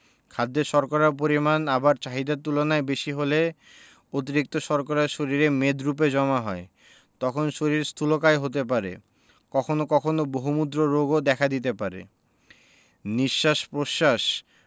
খাদ্যে শর্করার পরিমাণ আবার চাহিদার তুলনায় বেশি হলে অতিরিক্ত শর্করা শরীরে মেদরুপে জমা হয় তখন শরীর স্থুলকায় হতে পারে কখনো কখনো বহুমূত্র রোগও দেখা দিতে পারে নিঃশ্বাস প্রশ্বাস